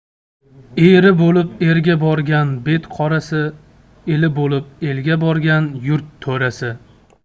eri bo'lib erga borgan bet qorasi eli bo'lib elga borgan yurt to'rasi